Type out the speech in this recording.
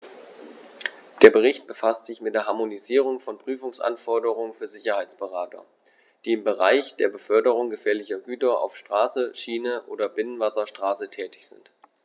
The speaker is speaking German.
Der Bericht befasst sich mit der Harmonisierung von Prüfungsanforderungen für Sicherheitsberater, die im Bereich der Beförderung gefährlicher Güter auf Straße, Schiene oder Binnenwasserstraße tätig sind.